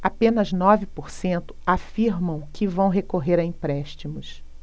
apenas nove por cento afirmam que vão recorrer a empréstimos